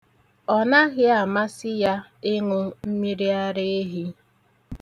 Ọnaghị amasị ya ịṅụ mmiriaraehi.